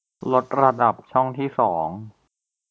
ลดระดับช่องที่สอง